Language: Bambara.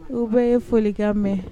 U bɛ ye folikan mɛn